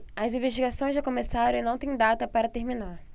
as investigações já começaram e não têm data para terminar